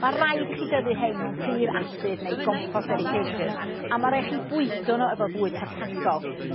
Ma' raid i chi dyfu 'hein mewn pridd asid neu gompos ericaceous a ma' rai' chi bwydo n'w efo bwyd pwrpasol.